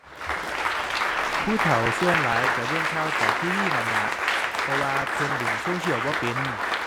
ผู้เฒ่าส่วนหลายก็เบิ่งข่าวจาก TV นั่นล่ะ เพราะว่าเพิ่นเล่นโซเชียลบ่เป็น